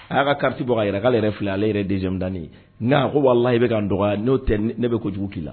A y'a kari a yɛrɛ k' yɛrɛ fili ale yɛrɛ demudnin ye n' a ko wala i bɛ ka n dɔgɔ'o tɛ ne bɛ ko jugu k'i la